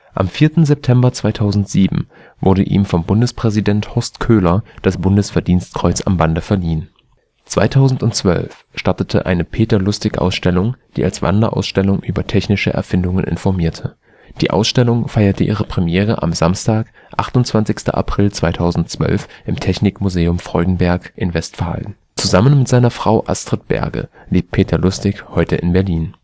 Am 4. September 2007 wurde ihm von Bundespräsident Horst Köhler das Bundesverdienstkreuz am Bande verliehen. 2012 startete eine „ Peter-Lustig-Ausstellung “, die als Wanderausstellung über technische Erfindungen informierte. Die Ausstellung feierte ihre Premiere am Samstag, 28. April 2012 im Technikmuseum Freudenberg (Westfalen). Zusammen mit seiner Frau Astrid Berge lebt Peter Lustig heute in Berlin